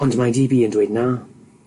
Ond mae di bi yn dweud na.